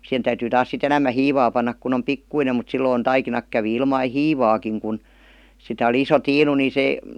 siihen täytyy taas sitten enemmän hiivaa panna kun on pikkuinen mutta silloin taikinat kävi ilman hiivaakin kun sitä oli iso tiinu niin se